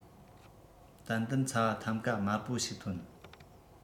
ཏན ཏན ཚ བ ཐམ ཀ དམར པོ ཞིག ཐོན